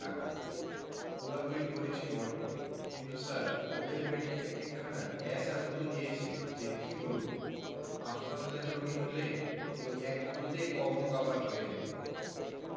doctor কোলাকুলি করেছি বটে কিন্তু স্যার ওদের পেটে এক একখানা এ্যায়সা গুঁতো দিয়েছে যে কি বলব হাসপাতালের রোগী হলে ঐ এক গুঁতোতেই কন্মকাবার হয়ে যেত